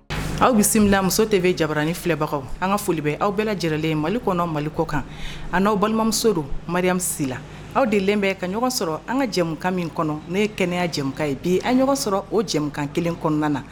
Aw bisimila bisimila muso de bɛ jamanarain filɛbagaw an ka folibe aw bɛɛ lajɛlenlen mali kɔnɔ mali kɔ kan ani n' awaw balimamuso don maria si la aw delen bɛ ka ɲɔgɔn sɔrɔ an ka jɛkan min kɔnɔ n'o ye kɛnɛya jɛ ye bi an ɲɔgɔn sɔrɔ o jɛkan kelen kɔnɔna na